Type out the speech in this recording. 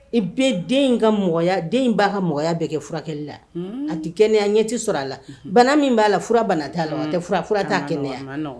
I bɛɛ den in ka mɔgɔya den b'a ka mɔgɔya bɛɛ kɛ furakɛli la a tɛ kɛnɛyaya ɲɛti sɔrɔ a la bana min b'a la fura bana t'a la a' kɛnɛya